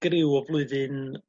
griw o flwyddyn